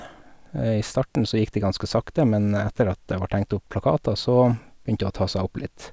I starten så gikk det ganske sakte, men etter at det vart hengt opp plakater så begynte det å ta seg opp litt.